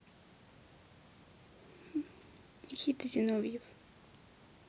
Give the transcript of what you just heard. никита зиновьев